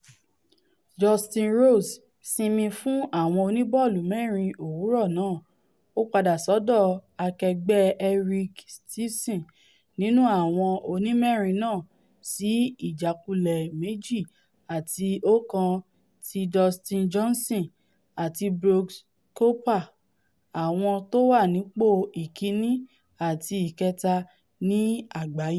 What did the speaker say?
Justin Rose, sinmi fún àwọn oníbọ́ọ̀lù-mẹ́rin òwúrọ̀ náà, ó padà sọ́dọ̀ akẹgbẹ́ Henrik Stenson nínú àwọn onímẹ́rin náà sí ìjákulẹ̀ 2 àti 1 ti Dustin Johnson àti Brooks Koepka - àwọn tówànípò ìkínni àti ìkẹta ni àgbáyé.